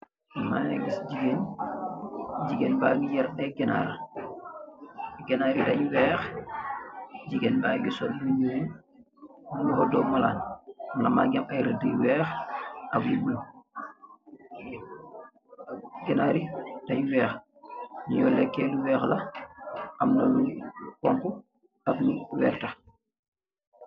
Maangi gis jigéen, jigéen baañgi, yar ay ganaar. Ganaar i,dañg weex, jigéen baañgi sol lu ñuul, woodo malaan. Malaan baañgi am ay rëdë yu weex ak lu bulo. Ganaar yi, dàñge weex, luñuy leekee lu weex la Am na lu xoñgu, ak lu werta.